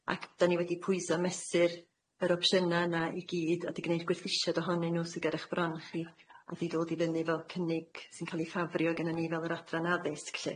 Ac 'dan ni wedi pwyso a mesur yr opsiyna' yna i gyd, a 'di gneud gwerthusiad ohonyn nw sydd ger eich bron chi, a 'di ddod i fyny efo cynnig sy'n ca'l ei ffafrio gynnon ni fel yr Adran Addysg lly.